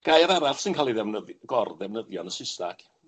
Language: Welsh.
Gair arall sy'n ca'l 'i ddefnydd- gor-ddefnyddio yn y Sysnag